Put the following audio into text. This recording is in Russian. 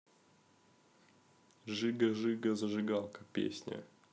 жига жига зажигалка песня